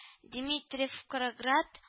Димитревкроград